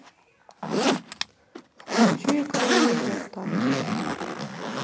включи экранную заставку